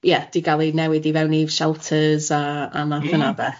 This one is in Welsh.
ie di gal i newid i fewn i'r shelters a a math... Mm. ...yna o beth.